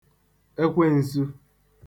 ekwen̄sū